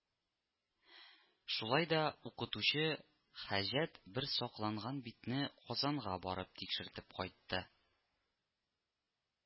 Шулай да укытучы Хаҗәт бер сакланган битне Казанга барып тикшертеп кайтты